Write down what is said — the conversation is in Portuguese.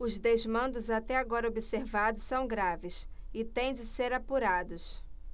os desmandos até agora observados são graves e têm de ser apurados